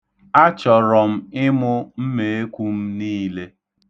Achọrọ m ịmụ mmeekwu m niile.